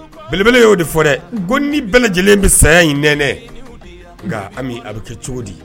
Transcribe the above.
Belebele y'o de fɔ dɛ ko ni bɛɛ lajɛlen bɛ saya in nɛnɛ nka ami a bɛ kɛ cogo di